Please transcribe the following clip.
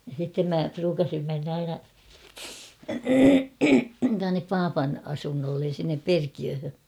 ja sitten minä pruukasin mennä aina tuonne papan asunnolle sinne Perkiöön